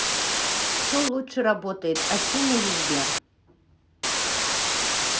кто лучше работает афина или сбер